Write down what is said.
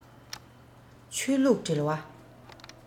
ཆོས ལུགས འབྲེལ བ